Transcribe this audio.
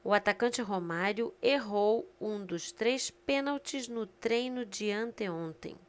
o atacante romário errou um dos três pênaltis no treino de anteontem